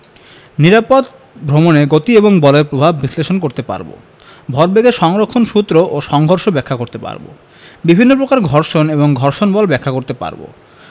নিরাপদ ভ্রমণে গতি এবং বলের প্রভাব বিশ্লেষণ করতে পারব ভরবেগের সংরক্ষণ সূত্র ও সংঘর্ষ ব্যাখ্যা করতে পারব বিভিন্ন প্রকার ঘর্ষণ এবং ঘর্ষণ বল ব্যাখ্যা করতে পারব